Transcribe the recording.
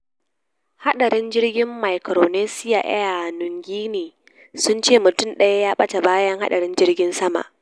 Hadarin Jirgin Micronesia Air Niugini sun ce mutum daya ya bata bayan hadarin jirgin sama